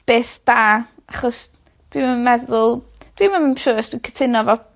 beth da achos dwi 'm yn meddwl dwi'm even siŵr os dwi cytuno efo